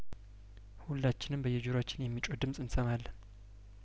ሁላችንም በየጆሮአችን የሚጮህ ድምጽ እንሰማለን